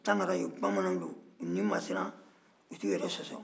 tangaraw don bamananw don u nin ma siran u t'u yɛrɛ sɔsɔ